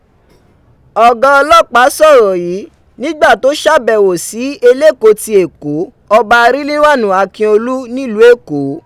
Ọga ọlọpaa sọrọ yii nigba to ṣabẹwo si Eleko ti Eko, Ọba Riliwaanu Akiolu niluu Eko.